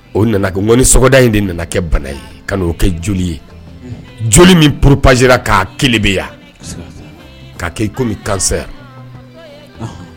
O nana kɛ ŋɔni sɔgɔda in de nana kɛ bana ye, ka n'o kɛ joli ye, unhun,. Joli min propager k'a kelebeya, siga t'a la, k'a comme cancer anhan